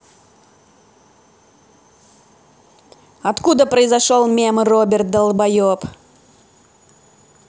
откуда произошел мем роберт долбоеб